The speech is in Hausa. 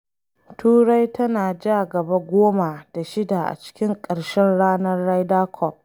Turai tana ja gaba 10 da 6 a cikin ƙarshen ranan Ryder Cup